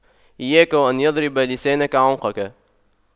إياك وأن يضرب لسانك عنقك